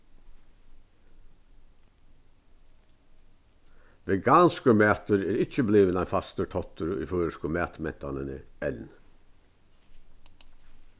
veganskur matur er ikki blivin ein fastur táttur í føroysku matmentanini enn